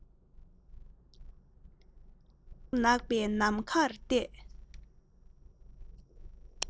སྨག ནག པའི ནམ མཁར བལྟས